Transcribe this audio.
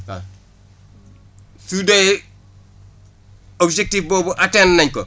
waaw su dee objectif boobu atteindre nañ ko